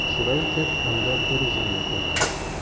Шулай итеп, анда берүзе генә кала.